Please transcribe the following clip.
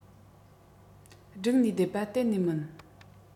བསྒྲིགས ནས བསྡད པ གཏན ནས མིན